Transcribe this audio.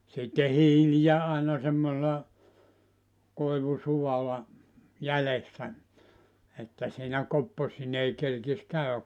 sitten hiiliä aina semmoisella koivusualla jäljessä että siinä kopposineen kerkisi käydä